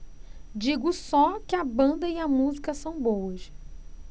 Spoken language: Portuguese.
digo só que a banda e a música são boas